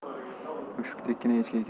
mushukdekkina echki ekan